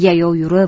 yayov yurib